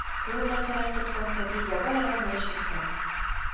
Кулына сәнәк тоткан Сабир бабай араннан чыкты